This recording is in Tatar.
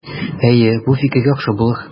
Әйе, бу фикер яхшы булыр.